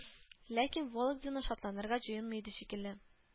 Ләкин Вологдина шатланырга җыенмый иде шикелле